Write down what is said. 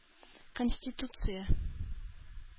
Конституция